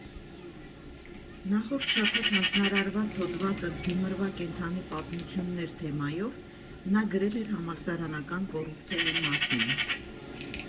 Նախորդ շաբաթ հանձնարարված հոդվածը՝ «Գյումրվա կենդանի պատմություններ» թեմայով, նա գրել էր համալսարանական կոռուպցիայի մասին։